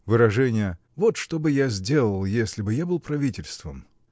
Выражения: "Вот что бы я сделал, если б я был правительством"